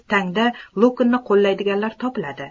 tangda luknni qo'llaydiganlar topiladi